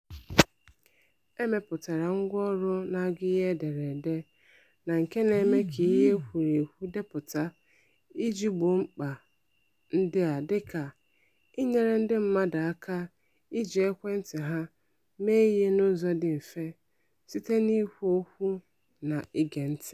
E mepụtara ngwáọrụ na-agụ ihe e dere ede na nke na-eme ka ihe e kwuru ekwu depụta iji gboo mpka ndị a dịka: inyere ndị mmadụ aka iji ekwentị ha mee ihe n'ụzọ dị mfe, site n'ikwu okwu na ige ntị